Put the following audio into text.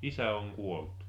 isä on kuollut